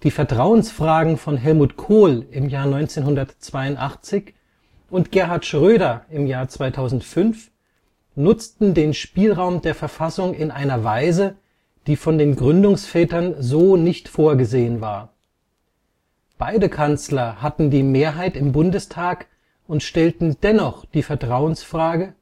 Vertrauensfragen von Helmut Kohl 1982 und Gerhard Schröder 2005 nutzten den Spielraum der Verfassung in einer Weise, die von den Gründungsvätern so nicht vorgesehen war. Beide Kanzler hatten die Mehrheit im Bundestag und stellten dennoch die Vertrauensfrage